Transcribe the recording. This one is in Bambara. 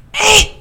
Ee